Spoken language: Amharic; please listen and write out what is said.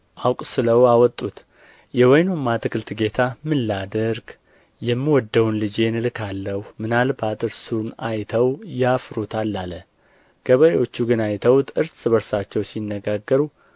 አቍሰለው አወጡት የወይኑም አትክልት ጌታ ምን ላድርግ የምወደውን ልጄን እልካለሁ ምናልባት እርሱን አይተው ያፍሩታል አለ ገበሬዎቹ ግን አይተውት እርስ በርሳቸው ሲነጋገሩ